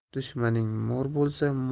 dushmaning mo'r bo'lsa